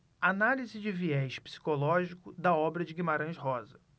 análise de viés psicológico da obra de guimarães rosa